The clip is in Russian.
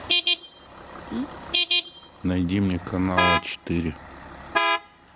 найди мне канал а четыре